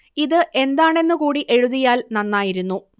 ഇത് എന്താണെന്ന് കൂടി എഴുതിയാൽ നന്നായിരുന്നു